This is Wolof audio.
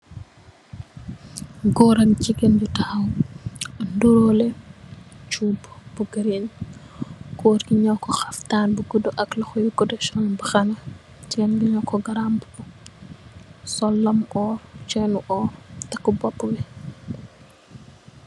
Goor ak jigéen ju taxaw, nirrole, cuup, yu giriin, Goor gi ñaw ko xaftaan bu gudda, def loxo yu gudda,... jigéen ji, yooku ko garambu, sol lam óor, takkë boopu bi.